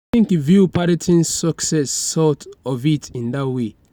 I think he viewed Paddington's success sort of in that way.